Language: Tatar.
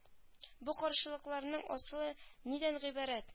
Бу каршылыкларның асылы нидән гыйбарәт